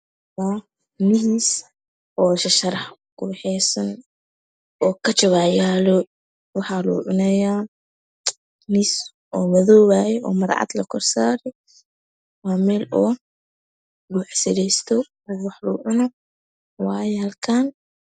Miis oo shasharax ku waxaysan okajawaa yaalo oo lagu cunayaa miis oo madow waaye oo maro cad lakorsaarey meel oo lagu cunay